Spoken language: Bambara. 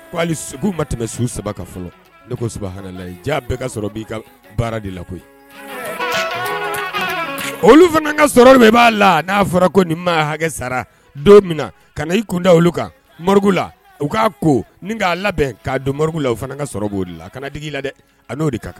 Ko ali segu ma tɛmɛ su saba fɔlɔ ne ko haralayi jaa bɛɛ ka sɔrɔ b'i ka baara de la koyi olu fana ka sɔrɔ i b'a la n'a fɔra ko nin maa hakɛ sara don min na ka na i kunda olu kan mori la u k'a ko ni k'a labɛn k kaa don mori la u fana ka sɔrɔ k'o la ka kana digi la dɛ a n'o de ka kan